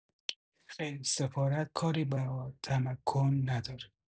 خیر سفارت کاری با تمکن نداره.